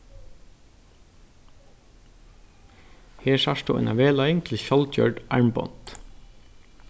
her sært tú eina vegleiðing til sjálvgjørd armbond